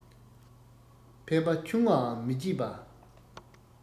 ཕན པ ཆུང ངུའང མི བརྗེད པ